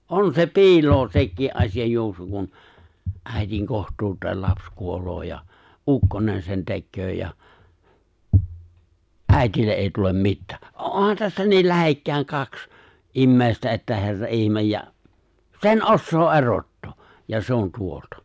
on se piiloa sekin - asianjuoksu kun äidin kohtuun lapsi kuolee ja ukkonen sen tekee ja äidille - ei tule mitään onhan tässä niin lähekkäin kaksi ihmistä että herran ihme ja sen osaa erottaa ja se on tuolta